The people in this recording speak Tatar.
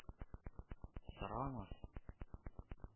Сорамас